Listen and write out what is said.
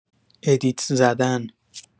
ادیت زدن